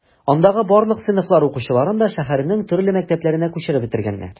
Андагы барлык сыйныфлар укучыларын да шәһәрнең төрле мәктәпләренә күчереп бетергәннәр.